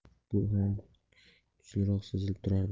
bu ham kuchliroq sezilib turardi